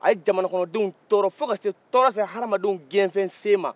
a ye jamanakɔnɔdenw tɔɔrɔ fo ka tɔɔrɔ se adamadenw gɛnfɛnsen man